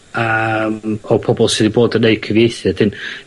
am o pobol sy 'di bod yn neud cyfieithu, a 'dyn